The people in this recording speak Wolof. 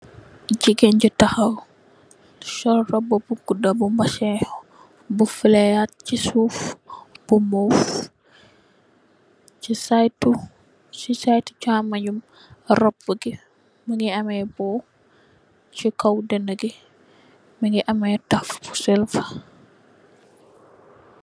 Gigeen ju takhaw sol roba bu guda bu mbessen bu fleyar si suff bu move si sidetu si sidetu chamoñam robugi mungi ameh bum si kaw denagi mungi ameh taff bu silver.